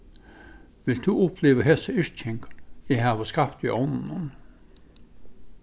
vilt tú uppliva hesa yrking eg havi skapt í ovninum